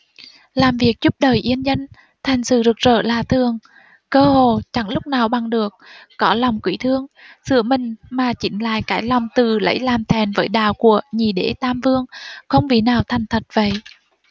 làm việc giúp đời yên dân thành sự rực rỡ lạ thường cơ hồ chẳng lúc nào bằng được có lòng quý thương sửa mình mà chính lại cái lòng tự lấy làm thẹn với đạo của nhị đế tam vương không vị nào thành thật vậy